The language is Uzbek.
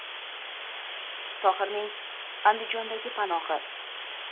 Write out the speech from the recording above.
tohirning andijondagi panohi